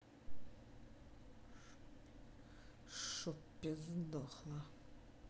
shoppe сдохла